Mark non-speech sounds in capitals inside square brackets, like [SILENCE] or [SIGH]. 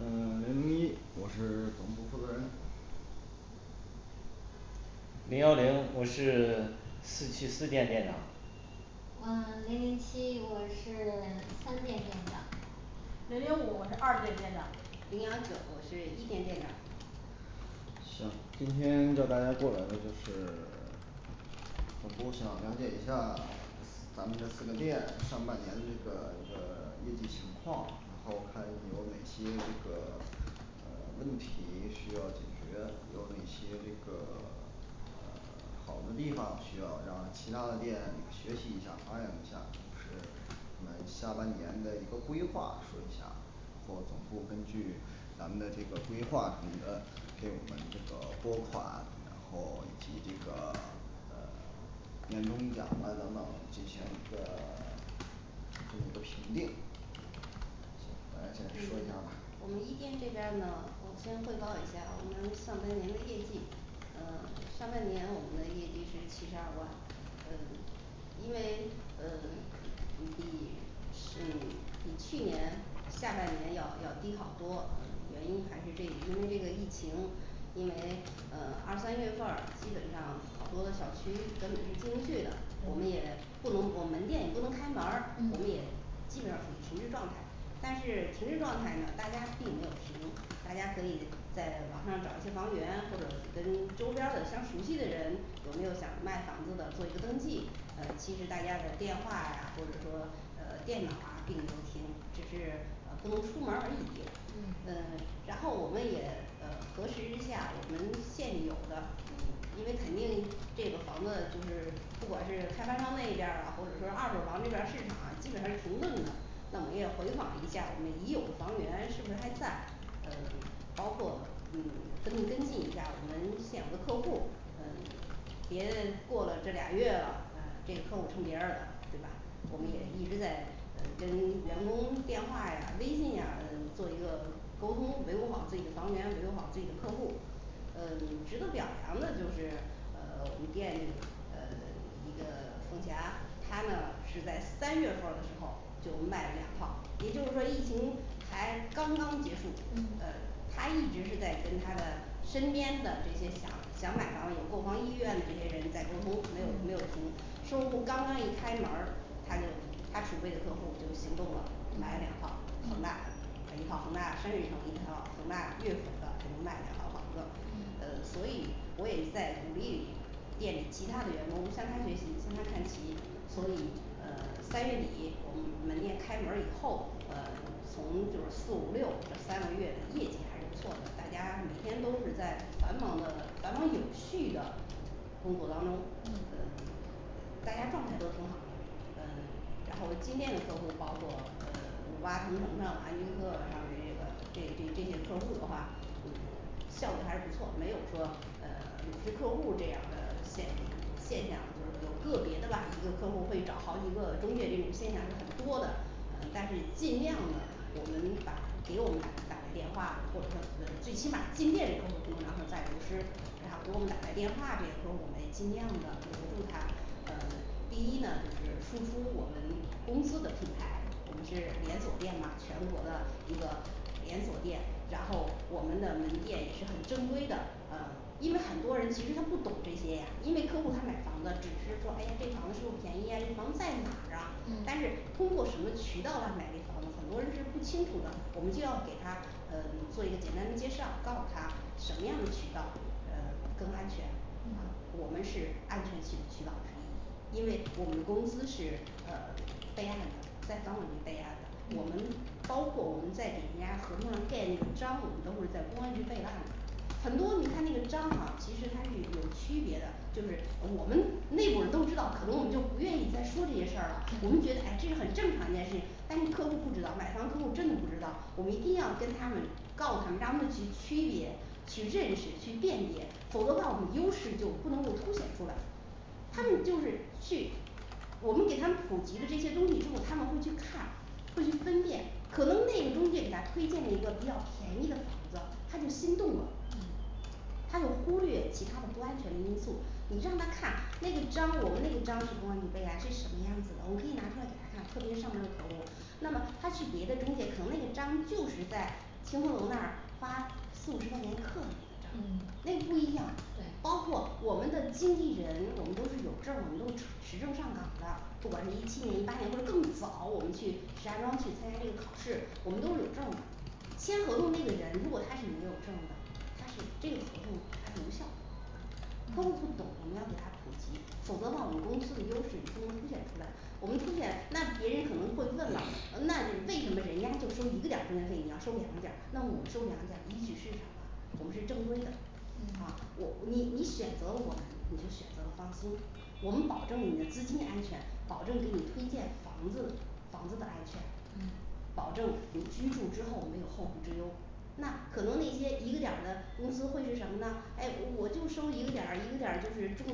呃 [SILENCE] 零零一我是总部负责人零幺零我是 [SILENCE] 四七四店店长嗯 [SILENCE] 零零七我是 [SILENCE] 三店店长零零五我是二店店长零幺九我是一店店长行，今天叫大家过来呢就是 [SILENCE] 总部想了解一下 [SILENCE] 咱们这四个店上半年这个这个业绩情况然后看有哪些这个呃问题需要解决，有哪些这个 [SILENCE] 呃 [SILENCE] 好的地方需要让其他的店学习一下，发扬一下，这个是呃下半年的一个规划说一下报总部根据咱们的这个规划里的给我们这个拨款然后以及这个 [SILENCE] 呃年终奖了等等进行一个 [SILENCE] 这么一个评定我来先说嗯一下吧我们一店这边儿呢我先汇报一下我们上半年的业绩呃上半年我们的业绩是七十二万，呃因为呃 [SILENCE] 嗯比 [SILENCE] 嗯 [SILENCE] 比去年下半年要要低好多，原因还是这因为这个疫情因为呃二三月份儿基本上好多的小区都已经进不去的，我们对也不能我门店也不能开门儿，我们嗯也基本上处于停滞状态但是停滞状态呢大家并没有停，大家可以在网上找一些房源，或者跟周边儿的相熟悉的人，有没有想卖房子的做一个登记呃其实大家的电话啊或者说呃电脑啊并没有停，只是呃不能出门儿而已嗯呃然后我们也呃核实一下我们现有的嗯，因为肯定这个房子，就是不管是开发商那边儿啊或者说二手房这边儿市场基本上是停顿的，那我们也回访一下我们已有的房源是不是还在呃包括嗯跟进跟进一下我们现有的客户，嗯别过了这俩月了啊，这客户成别人儿啦对吧？我们也嗯一直在呃跟员工电话呀微信呀嗯做一个沟通，维护好自己的房源，维护好自己的客户嗯 [SILENCE] 值得表扬的就是呃我们店里呃有一个冯霞她呢是在三月份儿的时候就卖了两套，也就是说疫情才刚刚结束，呃嗯她一直是在跟她的身边的这些想想买房有购房意愿这些人在沟通，没有没嗯有 [SILENCE] 停售楼部刚刚一开门儿，他就他储备的客户就行动了，买了两套嗯恒大嗯的嗯一套恒大山水城，一套恒大乐府的他就买两套房子，嗯呃所以我也在鼓励店里其他的员工向他学习，向他看齐，所以嗯呃 [SILENCE] 三月底我们门店开门儿以后，呃从就是四五六这三个月的业绩还是不错的，大家每天都是在繁忙的繁忙有序的工作当中呃嗯，大家状态都挺好的嗯然后今天的客户包括呃五八同城上这这这些客户的话嗯呃第一呢就是输出我们公司的品牌我们是连锁店嘛全国的一个连锁店，然后我们的门店也是很正规的，呃因为很多人其实他不懂这些呀，因为客户他买房子只是说诶呀这房子是不便宜呀，这房子在哪儿啊，但是嗯通过什么渠道来买这房子，很多人是不清楚的，我们就要给他呃做一个简单的介绍，告诉他什么样的渠道呃 [SILENCE] 更安全啊嗯我们是安全渠渠道之一，因为我们的公司是呃备案的，在房产局备案的，我们嗯包括我们在给人家合同上盖那个章，我们都是在公安局备了案的很多你看那个章啊其实它是有有区别的，就是我们内部人都知道，可能我们就不愿意再说这些事儿了，我们觉得嗯诶这是很正常一件事情，但是客户不知道买房客户真的不知道，我们一定要跟他们告诉他们，让他们去区别去认识去辨别，否则的话我们优势就不能够凸显出来他们就是嗯去我们给他们普及的这些东西之后，他们会去看会去分辨，可能那个中介给他推荐了一个比较便宜的房子，他就心动了嗯他就忽略其他的不安全的因素，你让他看那个章我们那个章是公安局备案这是什么样子的，我可以拿出来给她看，特别上面的头儿。那么他去别的中介可能那个章就是在清风楼那儿花四五十块钱刻的章嗯那个不一样，对包括我们的经纪人，我们都是有证儿我们都持持证上岗的，不管是一七年一八年或者更早我们去石家庄去参加这个考试，我们都是有证儿的签合同那个人如果他是没有证的，它是这个合同它是无效的客户不嗯懂我们要给他普及，否则的话我们公司的优势不能凸显出来，我没凸显那别人可能会问了，那你为什么人家就收一个点儿中介费，你要收两点儿，那我们收两点儿依据市场啊，我们是正规的啊嗯我你你选择了我们你就选择了放心，我们保证你的资金安全，保证给你推荐房子房子的安全嗯保证你居住之后没有后顾之忧，那可能那些一个点儿的公司会是什么呢，诶我我就收一个点儿一个点儿就是中